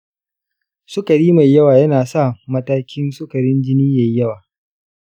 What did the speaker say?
sukari mai yawa yanasa sa matakin sukarin jini yayi yawa.